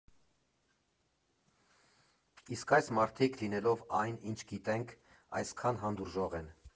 Իսկ այս մարդիկ, լինելով այն, ինչ գիտենք, այսքան հանդուրժող են։